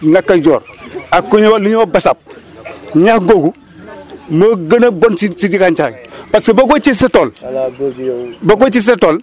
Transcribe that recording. nakajoor ak ku ñuy wax lu ñuy wax basaab ñax googu moo gën a bon si si si gàncax gi parce que boo ko wëccee ci sa tool boo ko wëccee ci sa tool